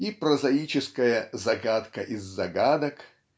И прозаическое "загадка из загадок"